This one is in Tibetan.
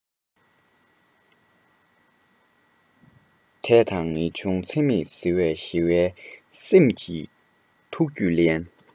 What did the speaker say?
དད དང ངེས འབྱུང འཚེ མེད ཟིལ བས ཞི བའི སེམས ཀྱི ཐུགས རྒྱུད བརླན